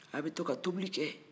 a be to ka tobili kɛ